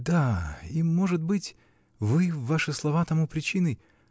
-- Да. и, может быть, -- вы, ваши слова тому причиной.